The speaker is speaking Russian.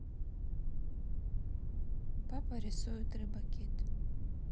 папа рисует рыба кит